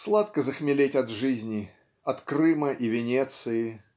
Сладко захмелеть от жизни от Крыма и Венеции